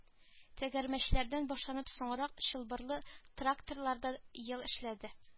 Тәгәрмәчледән башлап соңрак чылбырлы тракторларда ел эшләде